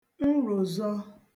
nròzọ